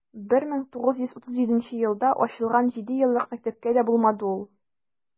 1937 елда ачылган җидееллык мәктәптә дә булмады ул.